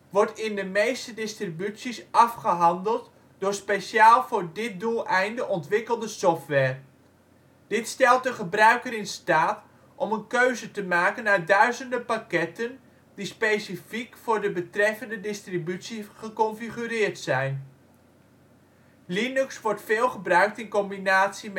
wordt in de meeste distributies afgehandeld door speciaal voor dit doeleinde ontwikkelde software. Dit stelt een gebruiker in staat om een keuze te maken uit duizenden pakketten die specifiek voor de betreffende distributie geconfigureerd zijn. Linux wordt veel gebruikt in combinatie